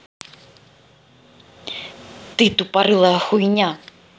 ты тупорылая хуйня